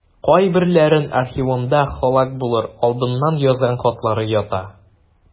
Кайберләренең архивымда һәлак булыр алдыннан язган хатлары ята.